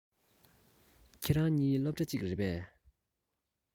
ཁྱེད རང གཉིས སློབ གྲ གཅིག རེད པས